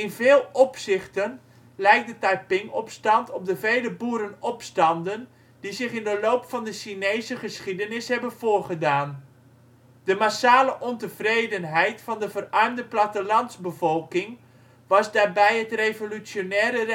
veel opzichten lijkt de Taiping-opstand op de vele boerenopstanden die zich in de loop van de Chinese geschiedenis hebben voorgedaan. De massale ontevredenheid van de verarmde plattelandsbevolking was daarbij het revolutionaire